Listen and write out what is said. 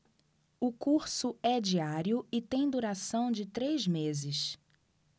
o curso é diário e tem duração de três meses